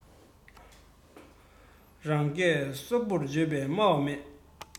རང སྐད སྲོང པོར བརྗོད པའི སྨྲ བ མེད